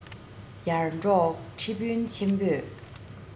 ཡར འབྲོག ཁྲི དཔོན ཆེན པོས